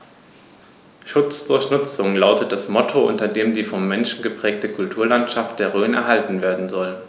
„Schutz durch Nutzung“ lautet das Motto, unter dem die vom Menschen geprägte Kulturlandschaft der Rhön erhalten werden soll.